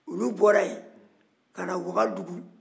olu bɔra yen ka na wagadugu